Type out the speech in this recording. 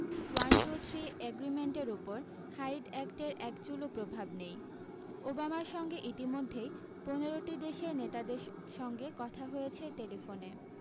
one two three এগ্রিমেন্টের উপর Hyde অ্যাক্টের এক চুলও প্রভাব নেই ওবামার সঙ্গে ইতিমধ্যেই পনের টি দেশের নেতাদের সঙ্গে কথা হয়েছে টেলিফোনে